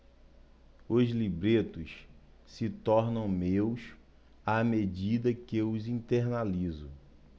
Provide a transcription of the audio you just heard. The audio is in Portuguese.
os libretos se tornam meus à medida que os internalizo